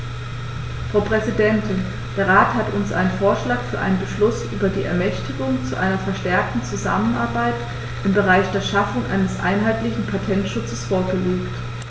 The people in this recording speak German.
Frau Präsidentin, der Rat hat uns einen Vorschlag für einen Beschluss über die Ermächtigung zu einer verstärkten Zusammenarbeit im Bereich der Schaffung eines einheitlichen Patentschutzes vorgelegt.